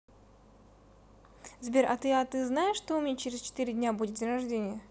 сбер а ты а ты знаешь что у меня через четыре дня будет день рождения